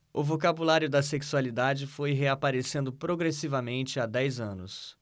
o vocabulário da sexualidade foi reaparecendo progressivamente há dez anos